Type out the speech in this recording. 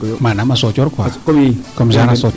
manaam comme a soocoor quoi comme genre a soocoort